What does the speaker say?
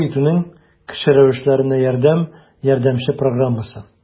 «хуҗалык итүнең кече рәвешләренә ярдәм» ярдәмче программасы